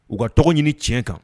U ka tɔgɔ ɲini tiɲɛ kan